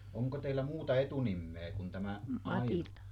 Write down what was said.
onko teillä muuta etunimeä kuin tämä Aino